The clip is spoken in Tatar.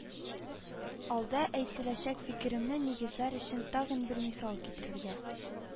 Алда әйтеләчәк фикеремне нигезләр өчен тагын бер мисал китерергә